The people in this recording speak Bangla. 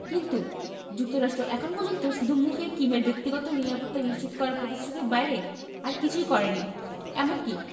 কিন্তু যুক্তরাষ্ট্র এখন পর্যন্ত শুধু মুখে কিমের ব্যক্তিগত নিরাপত্তা নিশ্চিত করার প্রতিশ্রুতির বাইরে আর কিছুই করেনি এমনকি